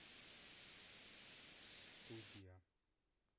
студия